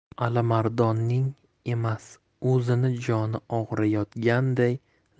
alimardonning emas o'zini joni og'riyotganday